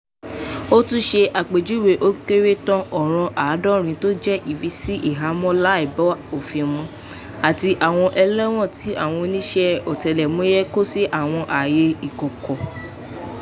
Ó tún ṣe àpéjúwe ó kéré tàn ọ̀ràn 70 tó jẹ́ "ìfisí ìhámọ́ láìbófinmu", àti àwọn ẹlẹ́wọ̀n tí àwọn oníṣẹ́ ọ̀tẹlẹ̀múyẹ́ kò sí àwọn àyè ìkọ̀kọ̀.